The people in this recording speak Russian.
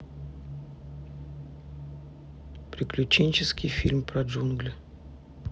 приключенческий фильм про джунгли